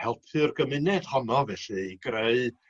helpu'r gymuned honno felly i greu